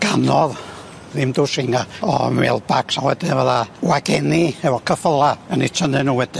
ganodd ddim dwsina o mêl bags a wedyn fydda wageni efo ceffyla yn i tynnu n'w wedyn.